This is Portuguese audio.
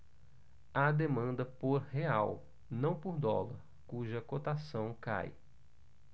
há demanda por real não por dólar cuja cotação cai